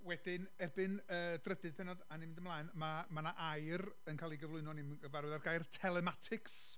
Wedyn, erbyn y drydydd pennod a ni'n mynd ymlaen, ma- ma' 'na air yn cael ei gyflwyno, o ni ddim yn gyfarwydd a'r gair telematics,